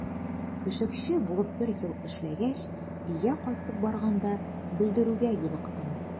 Пешекче булып бер ел эшләгәч, өйгә кайтып барганда белдерүгә юлыктым.